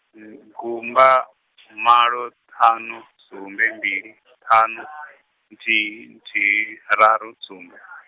gumba, malo, ṱhanu, sumbe mbili, ṱhanu, nthihi, nthihi, raru, sumbe.